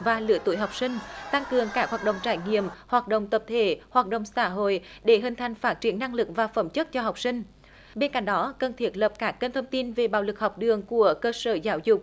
và lứa tuổi học sinh tăng cường các hoạt động trải nghiệm hoạt động tập thể hoạt động xã hội để hình thành phát triển năng lực và phẩm chất cho học sinh bên cạnh đó cần thiết lập các kênh thông tin về bạo lực học đường của cơ sở giáo dục